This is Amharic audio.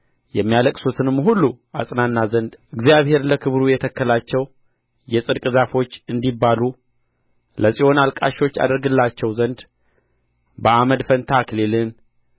የሚያለቅሱትንም ሁሉ አጽናና ዘንድ እግዚአብሔር ለክብሩ የተከላቸው የጽድቅ ዛፎች እንዲባሉ ለጽዮን አልቃሾች አደርግላቸው ዘንድ በአመድ ፋንታ አክሊልን